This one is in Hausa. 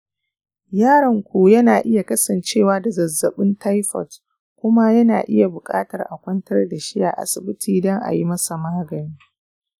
yaronku yana iya kasancewa da zazzabɓin taifot, kuma yana iya buƙatar a kwantar da shi a asibiti don a yi masa magani.